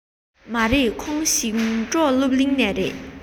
མ རེད ཁོང ཞིང འབྲོག སློབ གླིང ནས རེད